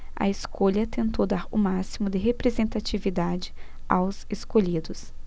a escolha tentou dar o máximo de representatividade aos escolhidos